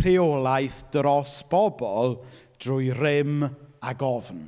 rheolaeth dros bobl, drwy rym, ag ofn.